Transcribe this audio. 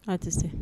A tɛ se